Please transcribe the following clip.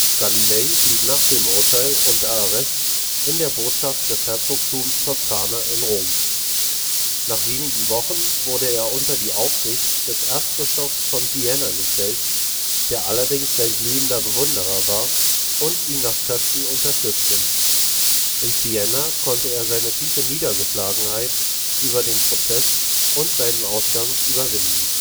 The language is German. Galilei blieb nach dem Urteil unter Arrest in der Botschaft des Herzogtums Toskana in Rom. Nach wenigen Wochen wurde er unter die Aufsicht des Erzbischofs von Siena gestellt, der allerdings sein glühender Bewunderer war und ihn nach Kräften unterstützte. In Siena konnte er seine tiefe Niedergeschlagenheit über den Prozess und seinen Ausgang überwinden